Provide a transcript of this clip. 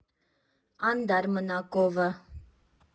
֊ Անդար մնա կովը։